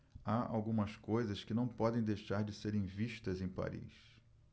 há algumas coisas que não podem deixar de serem vistas em paris